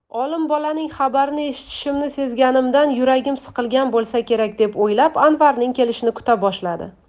olim bolaning xabarini eshitishimni sezganimdan yuragim siqilgan bo'lsa kerak deb o'ylab anvarning kelishini kuta boshladi